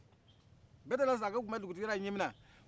bɛtɛle sakɔ tun bɛ dugutigiya la ɲɛmina